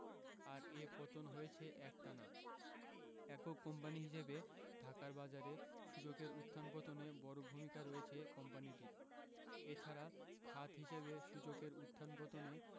আর এ পতন হয়েছে একটানা একক কোম্পানি হিসেবে ঢাকার বাজারে সূচকের উত্থান পতনে বড় ভূমিকা রয়েছে কোম্পানিটির এ ছাড়া খাত হিসেবে সূচকের উত্থান পতনে